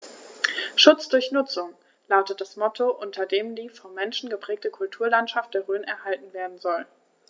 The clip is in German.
„Schutz durch Nutzung“ lautet das Motto, unter dem die vom Menschen geprägte Kulturlandschaft der Rhön erhalten werden soll.